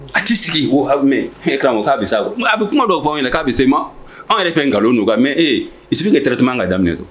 A t'i sigi ko Harunɛ f'e k'a mɔ k'a bi s'a kɔrɔ nko a bɛ kuma dɔw fɔ aw ɲɛnɛ k'a bɛ se ma anw yɛrɛ fɛ nkalon don n ka mais ee il suffit que traitement ka daminɛ dɔrɔn